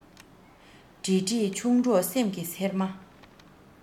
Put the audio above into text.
འདྲིས འདྲིས ཆུང གྲོགས སེམས ཀྱི ཚེར མ